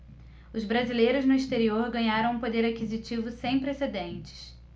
os brasileiros no exterior ganharam um poder aquisitivo sem precedentes